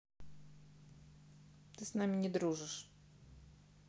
ты с нами не дружишь